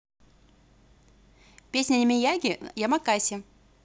песня miyagi ямакаси